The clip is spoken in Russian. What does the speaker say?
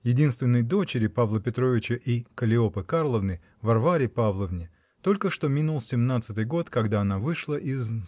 Единственной дочери Павла Петровича и Каллиопы Карловны, Варваре Павловне, только что минул семнадцатый год, когда она вышла из .